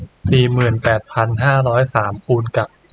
หนึ่งล้านสองแสนสามหมื่นเจ็ดพันหกสิบแปดคูณกับ